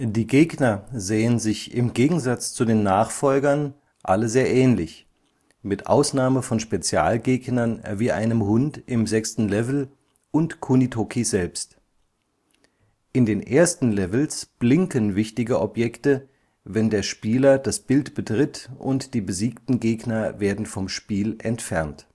Die Gegner ehen im Gegensatz zu den Nachfolgern alle sich sehr ähnlich - mit Ausnahme von Spezialgegnern wie einem Hund im sechsten Level und Kunitoki selbst. In den ersten Levels blinken wichtige Objekte, wenn der Spieler das Bild betritt und die besiegten Gegner werden vom Spiel entfernt